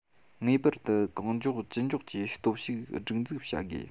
ངེས པར དུ གང མགྱོགས ཅི མགྱོགས ཀྱིས སྟོབས ཤུགས སྒྲིག འཛུགས བྱ དགོས